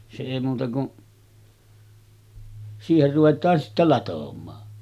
se ei muuta kuin siihen ruvetaan sitten latomaan